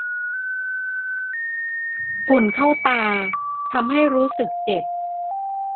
ฝุ่นเข้าตาทำให้รู้สึกเจ็บ